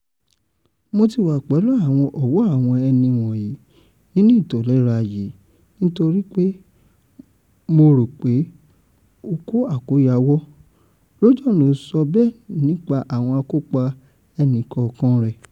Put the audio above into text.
"Mo ti wà pẹ̀lú àwọn ọ̀wọ̀ àwọn ẹni wọ̀nyìí nínú ìtòléra yìí nítorípé mo rò pé ó kó àkóyáwọ́,” Bjorn ló sọ bẹ́ẹ̀ nípa àwọn àkopa ẹlẹ́nìkọ̀ọ̀an rẹ̀.